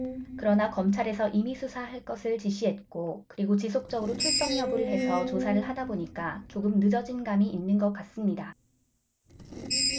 그러나 검찰에서 임의수사를 할 것을 지시를 했고 그리고 지속적으로 출석 여부를 해서 조사를 하다 보니까 조금 늦어진 감이 있는 것 같습니다